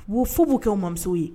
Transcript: Wu fu bu kɛ u mamusow ye.